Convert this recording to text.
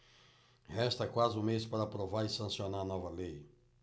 resta quase um mês para aprovar e sancionar a nova lei